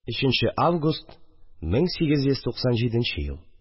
3 нче август, 1897 ел